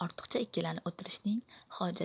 ortiqcha ikkilanib o 'tirishning hojati